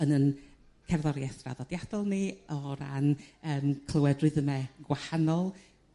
yn 'yn cerddori'eth draddodiadol ni o ran yrm clywed ryddyme gwahanol